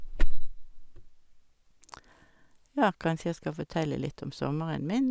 Ja, kanskje jeg skal fortelle litt om sommeren min.